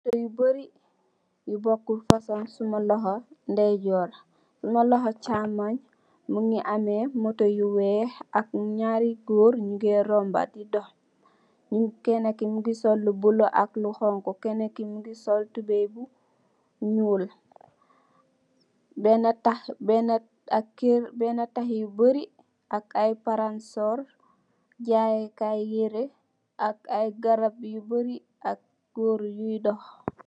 Oto yu bori yu bokul fosong suma loho ndeyjoor suma loho chamonj mungi ameh moto yu weex ak nyari goor nyu ngeh romba di dokh kenaki mungi sol lu bulo ak lu xonxu kenaki mungi sol tubey bu nyool bena tah ak Kerr bena tahyi bori ak ay paransor jaayeh kai yereh ak ay garap yu bari ak goor yuy dohh